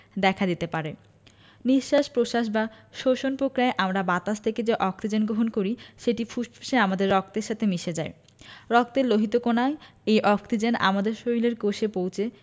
দেখা দিতে পারে নিঃশ্বাস প্রশ্বাস বা শ্বসন পক্রিয়ায় আমরা বাতাস থেকে যে অক্সিজেন গহণ করি সেটি ফুসফুসে আমাদের রক্তের সাথে মিশে যায় রক্তের লোহিত কণা এই অক্সিজেন আমাদের শরীরের কোষে পৌছে